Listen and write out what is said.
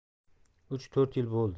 uch to'rt yil bo'ldi